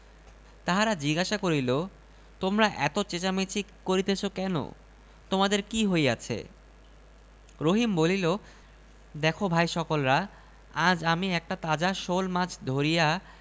পাড়ার সবাইকে বলিল আপনারা সবাই বলুন শুকনা মাঠে তাজা শোলমাছ কেমন করিয়া আসিবে আমার সোয়ামী পাগল না হইলে এমন কথা বলিতে পারে